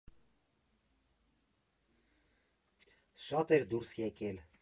Շատ էր դուրս եկել։